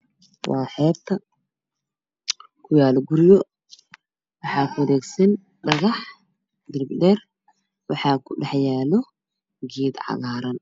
Waa xeeb waxaa kuyaalo guryo waxaa kuwareegsan darbi waxaa ku dhex yaalo geed cagaaran.